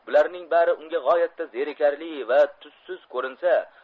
bularning bari unga g'oyatda zerikarli va tussiz ko'rinsa